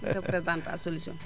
représentant solution